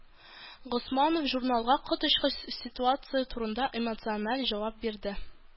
Госманов журналга коточкыч ситуация турында эмоциональ җавап бирде.